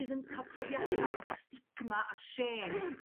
sydd yn ca'l profiada' o stigma a shame?